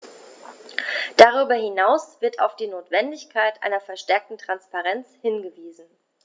Darüber hinaus wird auf die Notwendigkeit einer verstärkten Transparenz hingewiesen.